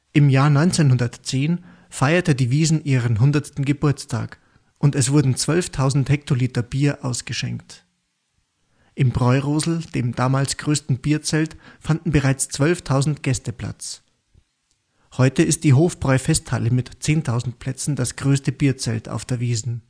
Im Jahr 1910 feierte die Wiesn ihren 100. Geburtstag und es wurden 12.000 Hektoliter Bier ausgeschenkt. Im Bräurosl, dem damals größten Bierzelt, fanden bereits 12.000 Gäste Platz. Heute ist die Hofbräu-Festhalle mit 10.000 Plätzen das größte Bierzelt auf der Wiesn